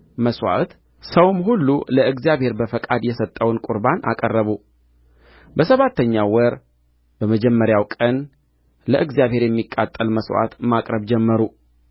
መሥዋዕት ሰውም ሁሉ ለእግዚአብሔር በፈቃድ የሰጠውን ቍርባን አቀረቡ በሰባተኛው ወር በመጀመሪያው ቀን ለእግዚአብሔር የሚቃጠል መሥዋዕት ማቅረብ ጀመሩ